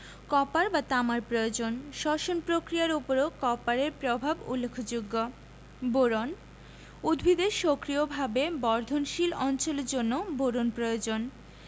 copper বা তামার প্রয়োজন শ্বসন পক্রিয়ার উপরও কপারের প্রভাব উল্লেখযোগ্য বোরন উদ্ভিদের সক্রিয়ভাবে বর্ধনশীল অঞ্চলের জন্য বোরন প্রয়োজন